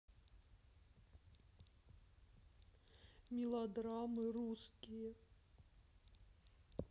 мелодрамы русские